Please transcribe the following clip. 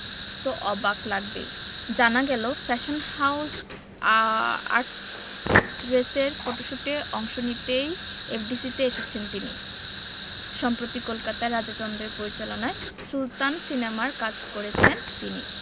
তো অবাক লাগবেই জানা গেল ফ্যাশন হাউজ আর্টরেসের ফটশুটে অংশ নিতেই এফডিসিতে এসেছেন তিনি সম্প্রতি কলকাতায় রাজা চন্দের পরিচালনায় সুলতান সিনেমার কাজ করেছেন তিনি